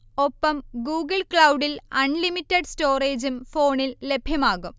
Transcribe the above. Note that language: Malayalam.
ഒപ്പം ഗൂഗിൾ ക്ലൗഡിൽ അൺലിമിറ്റഡ് സ്റ്റോറേജും ഫോണിൽ ലഭ്യമാകും